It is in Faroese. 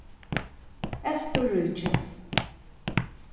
eysturríki